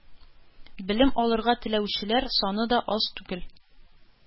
Белем алырга теләүчеләр саны да аз түгел.